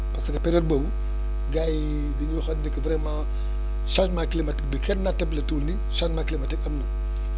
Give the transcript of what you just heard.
parce que période boobu gaa yi dañu waxoon ne que vraiment changement climatique bi kenn natabletul ni changement climatique am na